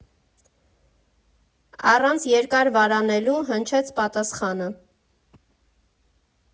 Առանց երկար վարանելու հնչեց պատասխանը.